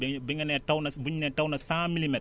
dañu bi nga nee taw na bi ñu nee taw na cent milimètres